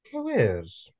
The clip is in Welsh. Cywir.